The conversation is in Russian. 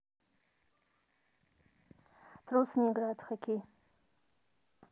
трус не играет в хоккей